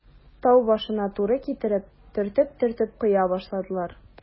Тау башына туры китереп, төртеп-төртеп коя башладылар.